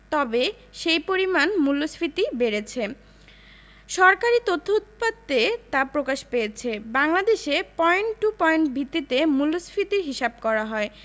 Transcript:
তবে সেই পরিমাণ মূল্যস্ফীতি বেড়েছে সরকারি তথ্য উপাত্তে তা প্রকাশ পেয়েছে বাংলাদেশে পয়েন্ট টু পয়েন্ট ভিত্তিতে মূল্যস্ফীতির হিসাব করা হয়